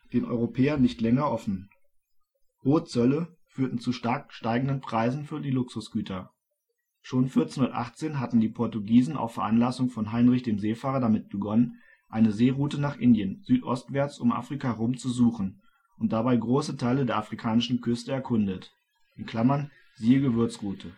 den Europäern nicht länger offen. Hohe Zölle führten zu stark steigenden Preisen für die Luxusgüter. Schon 1418 hatten die Portugiesen auf Veranlassung von Heinrich dem Seefahrer damit begonnen, eine Seeroute nach Indien südostwärts um Afrika herum zu suchen und dabei große Teile der afrikanischen Küste erkundet. (siehe Gewürzroute